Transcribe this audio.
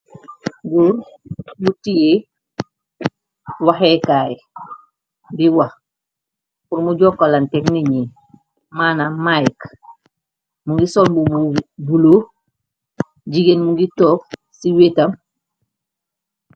Goor bu tiyée waxeekaay di wax, pur mu na jokkalanteg niiñi, manam mike, mu ngi sol mbubu bulo, jigéen mu ngi toog ci wéetam.